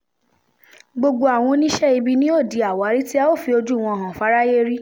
Gbogbo àwọn oníṣẹ́-ibi ni ó di àwárí tí a ó fi ojúu wọn hàn f'áráyé rí.